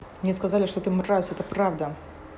мне сказали что ты мразь это правда